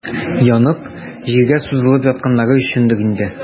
Янып, җиргә сузылып ятканнары өчендер инде.